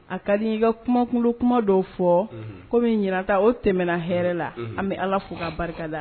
A ka di i ka kumakolon kuma dɔw fɔ kɔmi min ɲɛnata o tɛmɛna hɛrɛ la an bɛ ala fo ka barika la